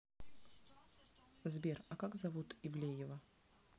сбер а как зовут ивлеева